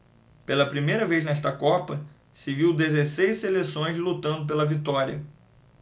pela primeira vez nesta copa se viu dezesseis seleções lutando pela vitória